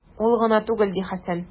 Ул гына түгел, - ди Хәсән.